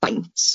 Faint.